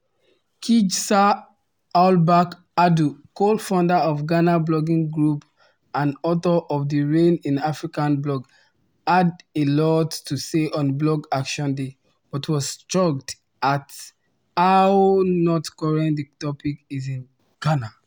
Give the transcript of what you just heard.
Kajsa Hallberg Adu, co-founder of Ghana Blogging Group and author of the Rain In Africa blog, had a lot to say on Blog Action Day, but was shocked at “how not current the topic is in Ghana”.